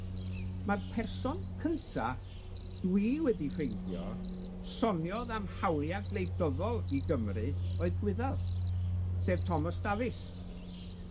ma'r person cynta dwi wedi ffeindio soniodd am hawlia' gwleidyddol i Gymru oedd Gwyddel, sef Thomos Davis.